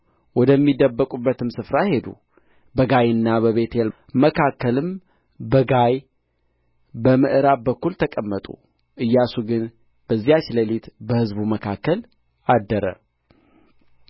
ወደሚደበቁበትም ስፍራ ሄዱ በጋይና በቤቴል መካከልም በጋይ በምዕራብ በኩል ተቀመጡ ኢያሱ ግን በዚያች ሌሊት በሕዝቡ መካከል አደረ